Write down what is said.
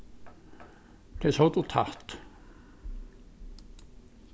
tey sótu tætt